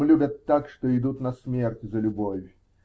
Там любят так, что идут на смерть за любовь